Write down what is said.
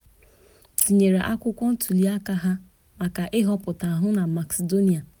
“Anyị kwụnyere NATO na EU, mana anyị chọrọ iji ugwu wee banye, ọbụghị site n’ụzọ ọrụ” Kavadarkov kwuru.